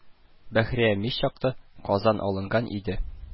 Бәхрия мич якты, казан алынган иде